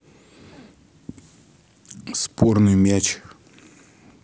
спорный мяч